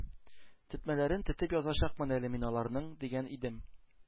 Тетмәләрен тетеп язачакмын әле мин аларның“, — дигән идем.